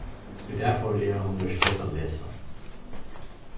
í dag fór eg á universitet at lesa